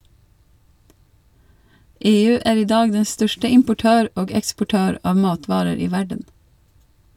EU er i dag den største importør og eksportør av matvarer i verden.